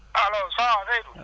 allo ça va Seydou